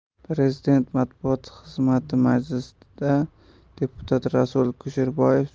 prezident matbuot xizmatimajlisda deputat rasul kusherbayev